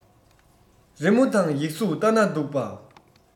རི མོ དང ཡིག གཟུགས ལྟ ན སྡུག པ